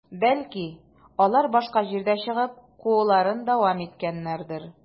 Бәлки, алар башка җирдә чыгып, кууларын дәвам иткәннәрдер?